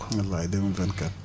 wallaay 2024